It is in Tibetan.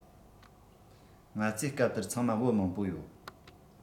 ང ཚོས སྐབས དེར ཚང མ བུ མང པོ ཡོད